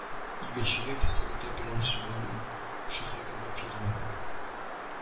Игенчелек, сәүдә белән шөгыльләнә, шәһәргә барып йөри